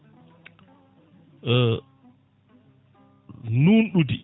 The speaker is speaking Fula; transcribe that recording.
nunɗude